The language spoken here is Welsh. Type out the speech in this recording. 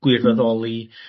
Gwirfoddoli.